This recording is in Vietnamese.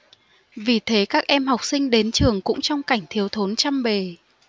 vì thế các em học sinh đến trường cũng trong cảnh thiếu thốn trăm bề